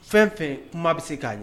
Fɛn o fɛn kuma bɛ se k'a ɲɛ